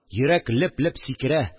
Йөрәк леп-леп сикерә